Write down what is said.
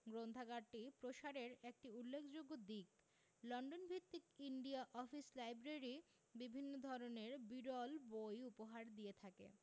গ্রন্থাগারটি প্রসারের একটি উল্লেখযোগ্য দিক লন্ডন ভিত্তিক ইন্ডিয়া অফিস লাইব্রেরি বিভিন্ন ধরনের বিরল বই উপহার দিয়ে থাকে